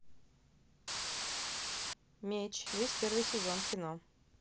меч весь первый сезон кино